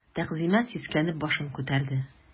Тәгъзимә сискәнеп башын күтәрде.